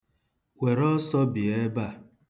Were oso bia ebe a.